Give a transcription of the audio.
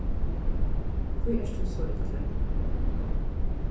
hví ert tú so illur